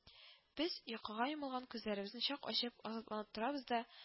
Без йокыга йомылган күзләребезне чак ачып, азапланып торабыз да